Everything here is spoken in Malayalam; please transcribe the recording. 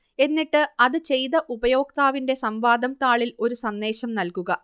എന്നിട്ട് അത് ചെയ്ത ഉപയോക്താവിന്റെ സംവാദം താളിൽ ഒരു സന്ദേശം നൽകുക